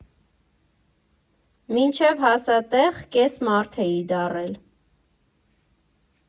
Մինչև հասա տեղ՝ կես մարդ էի դառել։